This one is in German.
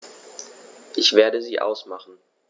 Ich werde sie ausmachen.